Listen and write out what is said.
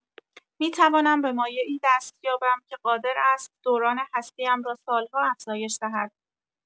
می‌توانم به مایعی دست یابم که قادر است دوران هستی‌ام را سال‌ها افزایش دهد.